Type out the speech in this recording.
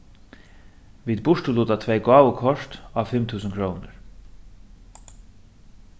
vit burturluta tvey gávukort á fimm túsund krónur